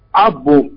Aw bon